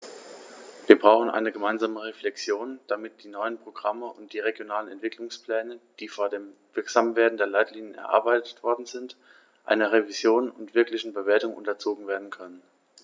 Wir brauchen eine gemeinsame Reflexion, damit die neuen Programme und die regionalen Entwicklungspläne, die vor dem Wirksamwerden der Leitlinien erarbeitet worden sind, einer Revision und wirklichen Bewertung unterzogen werden können.